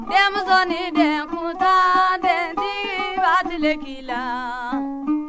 denmusonin denkunntan dentigi b'a tile k'i la